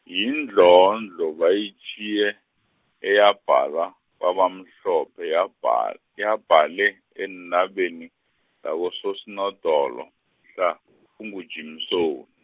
yindlondlo bayitjhiye, eyabhala, kwabamhlophe yabhal- yabhale, eentabeni, zakoSoSinodolo, mhla, kunguJimsoni.